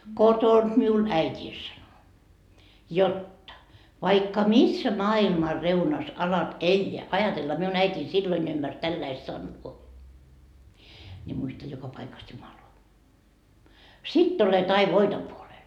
kotoa minulle äitini sanoi jotta vaikka missä maailman reunassa alat elää ajatella minun äitini silloin ymmärsi tällä lailla sanoa niin muista joka paikassa Jumalaa sitten olet aina voiton puolella